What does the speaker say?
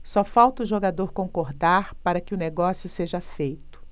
só falta o jogador concordar para que o negócio seja feito